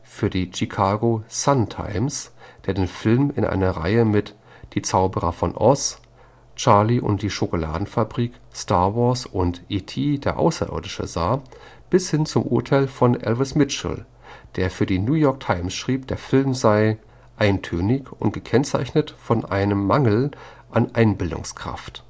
für die Chicago Sun-Times, der den Film in einer Reihe mit Der Zauberer von Oz, Charlie und die Schokoladenfabrik, Star Wars und E.T. – Der Außerirdische sah, bis hin zum Urteil von Elvis Mitchell, der für die New York Times schrieb, der Film sei eintönig und gekennzeichnet von einem Mangel an Einbildungskraft